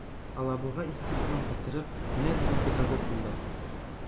Алабуга институтын бетереп, менә дигән педагог булды.